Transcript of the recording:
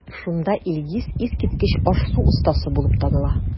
Шунда Илгиз искиткеч аш-су остасы булып таныла.